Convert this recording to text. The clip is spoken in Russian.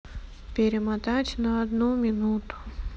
перемотать на одну минуту